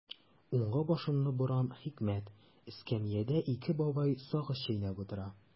Уңга башымны борам– хикмәт: эскәмиядә ике бабай сагыз чәйнәп утыра.